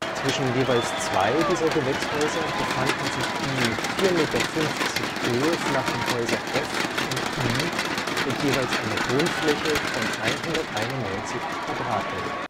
Zwischen jeweils zwei dieser Gewächshäuser befanden sich die mit 4,50 Meter Höhe flachen Häuser F und I mit jeweils einer Grundfläche von 191 m²